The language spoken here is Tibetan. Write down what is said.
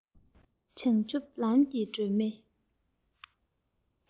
བྱང ཆུབ ལམ གྱི སྒྲོན མེ